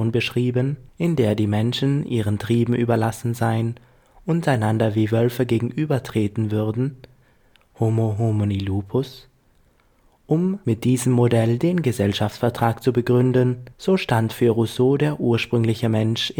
beschrieben, in der die Menschen ihren Trieben überlassen seien und einander wie Wölfe gegenübertreten würden – Homo homini lupus –, um mit diesem Modell den Gesellschaftsvertrag zu begründen, so stand für Rousseau der ursprüngliche Mensch